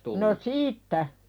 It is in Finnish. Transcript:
no siitä